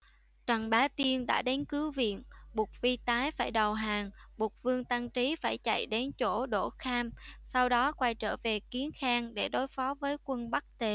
trần bá tiên đã đến cứu viện buộc vi tái phải đầu hàng buộc vương tăng trí phải chạy đến chỗ đỗ kham sau đó quay trở về kiến khang để đối phó với quân bắc tề